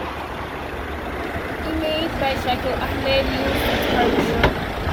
Image by Shakil Ahmed, used with permission.